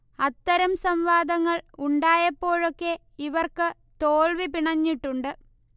അത്തരം സംവാദങ്ങൾ ഉണ്ടായപ്പോഴൊക്കെ ഇവർക്ക് തോൽവി പിണഞ്ഞിട്ടുണ്ട്